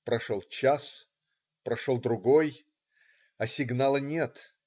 Прошел час, прошел другой, а сигнала нет.